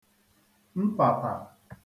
mpàtà